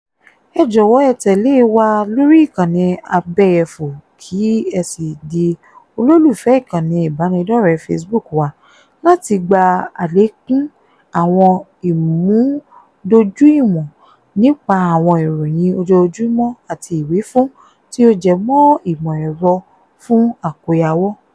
Ẹ jọ̀wọ́ ẹ tẹ̀lé wa lórí ìkànnì abẹ́yẹfò kí ẹ sì di olólùfẹ́ ìkànnì ìbánidọ́rẹ̀ẹ́ Facebook wa láti gba àlékún àwọn ìmúdójúìwọ̀n nípa àwọn ìròyìn ojoojúmọ́ àti ìwífún tí ó jẹ́ mọ́ ìmọ̀ ẹ̀rọ fún àkóyawọ́.